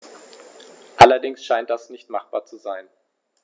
Allerdings scheint das nicht machbar zu sein.